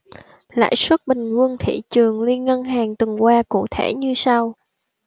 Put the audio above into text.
lãi suất bình quân thị trường liên ngân hàng tuần qua cụ thể như sau